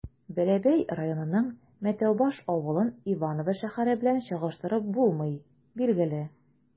Бәләбәй районының Мәтәүбаш авылын Иваново шәһәре белән чагыштырып булмый, билгеле.